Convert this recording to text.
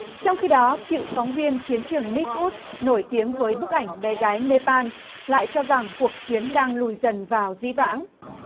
trong khi đó cựu phóng viên chiến trường ních út nổi tiếng với bức ảnh bé gái nê ban lại cho rằng cuộc chiến đang lùi dần vào dĩ vãng